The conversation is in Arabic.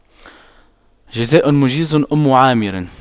جزاء مُجيرِ أُمِّ عامِرٍ